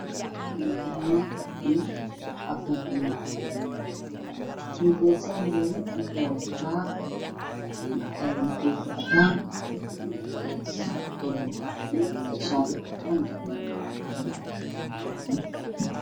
Waxaa ii muuqda afar nin iyo gabar dumar ah afartan waxay wataan suudaan gabadhana waxay wadataa qamaar caddeysaa kuligoodna korka waxaa ka saareen koofiyo